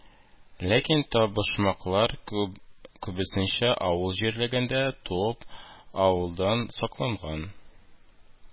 Ләкин табышмаклар, күбесенчә, авыл җирлегендә туып, авылда сакланган